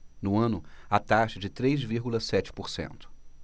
no ano a taxa é de três vírgula sete por cento